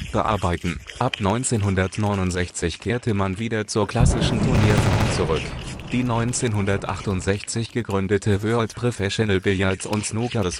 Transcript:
Ab 1969 kehrte man wieder zur klassischen Turnierform zurück. Die 1968 gegründete World Professional Billiards & Snooker